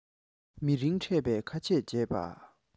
མི རིང ཕྲད པའི ཁ ཆད བྱས པ